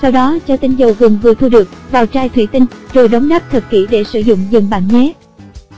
sau đó cho tinh dầu gừng vừa thu được vào chai thuỷ tinh rồi đóng nắp thật kỹ để sử dụng dần bạn nhé